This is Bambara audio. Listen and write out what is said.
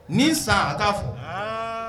Ni n san a t'a fɔ